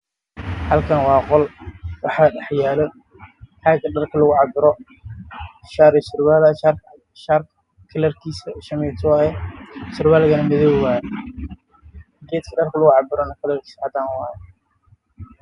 Halkaan waa qol waxaa dhaxyaalo caaga dharka lagu qabiro